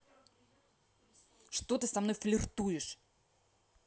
что ты со мной флиртуешь